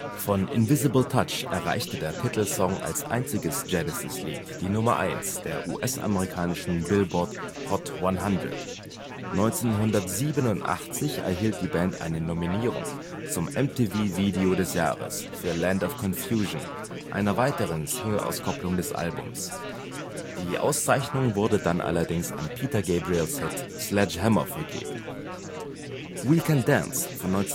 Von Invisible Touch erreichte der Titelsong als einziges Genesis-Lied die Nummer Eins der US-amerikanischen Billboard Hot 100. 1987 erhielt die Band eine Nominierung zum MTV Video des Jahres für Land of Confusion, einer weiteren Singleauskopplung des Albums; die Auszeichnung wurde dann allerdings an Peter Gabriels Hit Sledgehammer vergeben. Datei:Genesis Live 1992. jpg Collins bei einem Genesis-Konzert (1992) We Can't Dance (1991